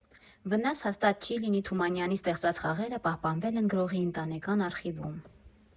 «Վնաս հաստատ չի լինի» Թումանյանի ստեղծած խաղերը պահպանվել են գրողի ընտանեկան արխիվում։